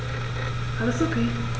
Alles OK.